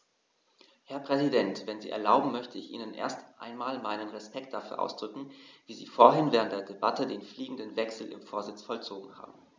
Herr Präsident, wenn Sie erlauben, möchte ich Ihnen erst einmal meinen Respekt dafür ausdrücken, wie Sie vorhin während der Debatte den fliegenden Wechsel im Vorsitz vollzogen haben.